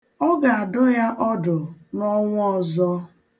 Ọ ga-adọ ya ọdụ n'ọnwa ọzọ.